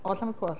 O Llanfairpwll.